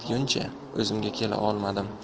ketguncha o'zimga kela olmadim